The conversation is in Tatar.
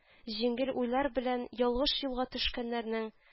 Җиңел уйлар белән ялгыш юлга төшкәннәрнең